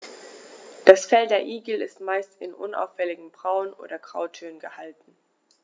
Das Fell der Igel ist meist in unauffälligen Braun- oder Grautönen gehalten.